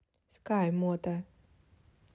скай мото